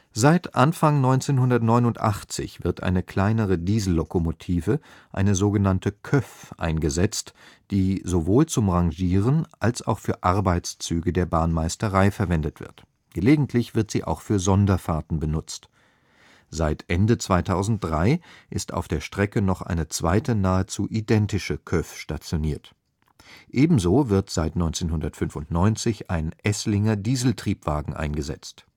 Seit Anfang 1989 wird eine kleinere Diesellokomotive, eine sogenannte Köf eingesetzt, die sowohl zum Rangieren als auch für Arbeitszüge der Bahnmeisterei verwendet wird. Gelegentlich wird sie auch für Sonderfahrten benutzt. Seit Ende 2003 ist auf der Strecke noch eine zweite nahezu identische Köf stationiert. Ebenso wird seit 1995 ein Esslinger Dieseltriebwagen eingesetzt